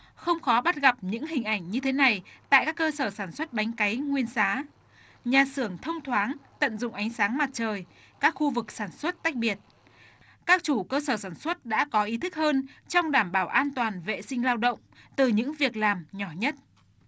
không khó bắt gặp những hình ảnh như thế này tại các cơ sở sản xuất bánh cáy nguyên xá nhà xưởng thông thoáng tận dụng ánh sáng mặt trời các khu vực sản xuất tách biệt các chủ cơ sở sản xuất đã có ý thức hơn trong đảm bảo an toàn vệ sinh lao động từ những việc làm nhỏ nhất